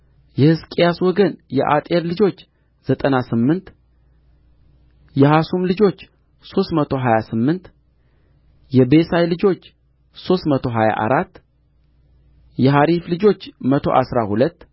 የሕዝቅያስ ወገን የአጤር ልጆች ዘጠና ስምንት የሐሱም ልጆች ሦስት መቶ ሀያ ስምንት የቤሳይ ልጆች ሦስት መቶ ሀያ አራት የሐሪፍ ልጆች መቶ አሥራ ሁለት